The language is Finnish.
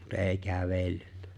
mutta ei kävellyt